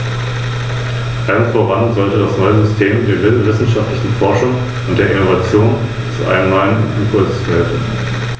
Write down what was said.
Deshalb möchte ich auf einige Probleme aufmerksam machen, denen sich die Kommission vorrangig widmen sollte.